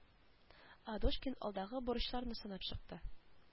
Адушкин алдагы бурычларны санап чыкты